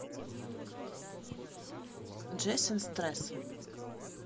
джейсон стресс